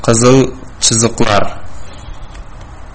qizil chiziqlar